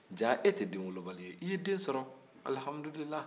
jaa e tɛ denwolobali ye i ye den sɔrɔ alihamidulila